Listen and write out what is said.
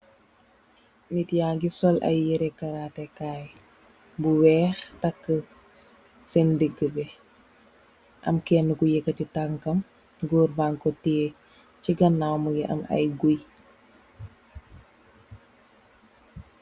Niit yage sol yerre karate kaye bou weck tahka cen diggi bi am kenne kou yekke ti tankam gorr bangko tiye ci gannaw mougui sm aye gouye